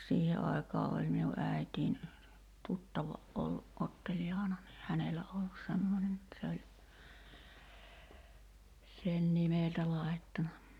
siihen aikaa oli minun äitini tuttava ollut Otteljaana niin hänellä ollut semmoinen että se oli sen nimeltä laittanut